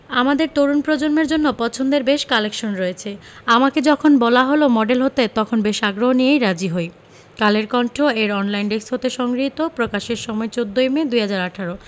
আমাদের তরুণ প্রজন্মের জন্য পছন্দের বেশ কালেকশন রয়েছে আমাকে যখন বলা হলো মডেল হতে তখন বেশ আগ্রহ নিয়েই রাজি হই কালের কণ্ঠ এর অনলাইনে ডেক্স হতে সংগৃহীত প্রকাশের সময় ১৪ ই মে ২০১৮